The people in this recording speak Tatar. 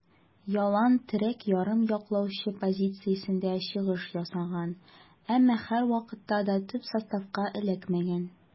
Ялланн терәк ярым яклаучы позициясендә чыгыш ясаган, әмма һәрвакытта да төп составка эләкмәгән.